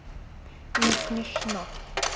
не смешно